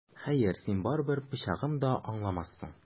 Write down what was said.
Хәер, син барыбер пычагым да аңламассың!